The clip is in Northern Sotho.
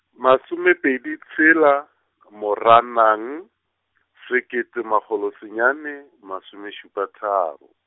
masomepedi tshela, Moranang, sekete magolo senyane masomešupa tharo.